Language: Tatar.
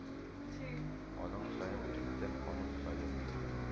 Аның саен киптем, аның саен